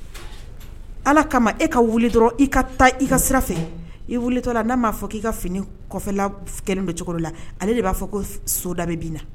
Ala kama e ka dɔrɔn i ka taa i ka sira i naa fɔ i ka finila kelen bɛ cogo la ale de b'a fɔ ko soda na